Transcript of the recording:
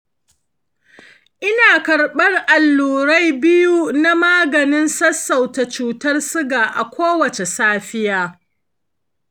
ina karɓar allurai biyu na maganin sassauta cutar suga a kowace safiya.